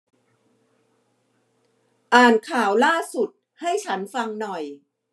อ่านข่าวล่าสุดให้ฉันฟังหน่อย